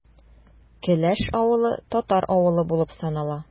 Келәш авылы – татар авылы булып санала.